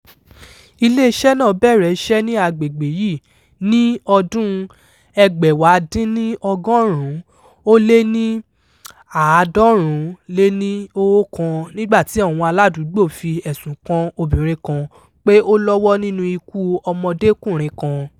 Iléeṣẹ́ náà bẹ̀rẹ̀ iṣẹ́ ní agbègbè yìí ní ọdún-un 1991 nígbà tí àwọn aládùúgbò fi ẹ̀sùn kan obìnrin kan pé ó lọ́wọ́ nínú ikú ọmọdékùnrin kan.